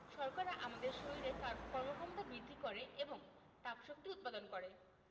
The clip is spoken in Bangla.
শর্করা আমাদের শরীরে কর্মক্ষমতা বৃদ্ধি করে এবং তাপশক্তি উৎপাদন করে